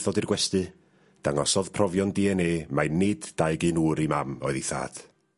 ...ddod i'r gwesty dangosodd profion Dee En Ay mai nid dau gyn ŵr ei mam oedd ei thad.